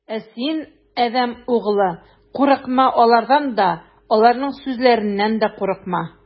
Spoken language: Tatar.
Ә син, адәм углы, курыкма алардан да, аларның сүзләреннән дә курыкма.